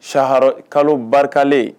Sahara kalo barikalen